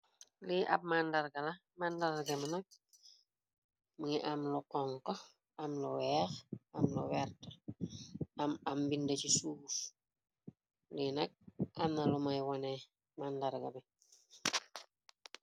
Li ab manndarga la manndarga mi nak mungi am lo honku am lu weeh am lu vert am am bind ci suuf li nak anna lu may wone manndarga bi.